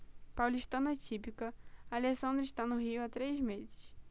paulistana típica alessandra está no rio há três meses